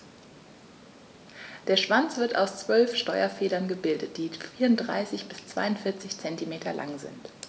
Der Schwanz wird aus 12 Steuerfedern gebildet, die 34 bis 42 cm lang sind.